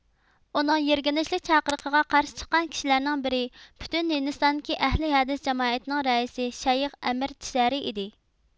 ئۇنىڭ يىرگىنچلىك چاقىرىقىغا قارشى چىققان كىشىلەرنىڭ بىرى پۈتۈن ھىندىستاندىكى ئەھلى ھەدىس جامائىتىنىڭ رەئىسى شەيخ ئەمىرتسەرىي ئىدى